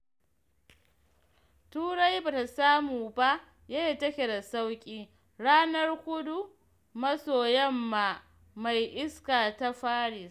Turai ba ta samu ba yadda take da sauki, ranar kudu-maso-yamma mai iska ta Paris.